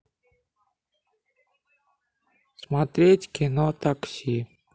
смотреть кино такси